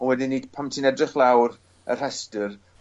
a wedyn 'ny pan ti'n edrych lawr y rhestyr